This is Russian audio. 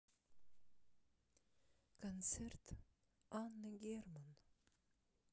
концерт анны герман